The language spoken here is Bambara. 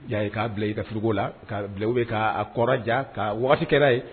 Ya ye k'a bila i ka forouruko la ka bilaw bɛ k'a kɔrɔja ka waati kɛra ye